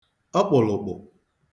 ọkpụ̀lụ̀kpụ̀